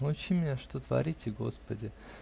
научи мя что творити, господи!